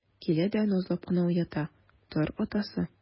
Килә дә назлап кына уята: - Тор, атасы!